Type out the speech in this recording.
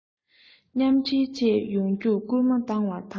མཉམ འདྲེས བཅས ཡོང རྒྱུར སྐུལ མ བཏང བ དང